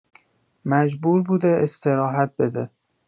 مجبور بوده استراحت بده